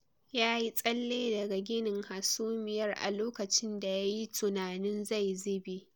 Yayi tsalle daga ginin hasumiyar a lokacin da yayi tunanin zai zube.